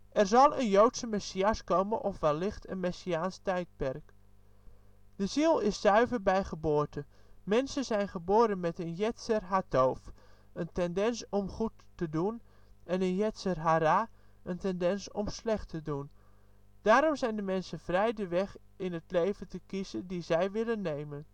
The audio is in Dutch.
Er zal een joodse messias komen of wellicht een messiaans tijdperk. De ziel is zuiver bij geboorte. Mensen zijn geboren met een jetser hatov, een tendens om goed te doen, en een jetser hara, een tendens om slecht te doen. Daarom zijn de mensen vrij de weg in het leven te kiezen die zij willen nemen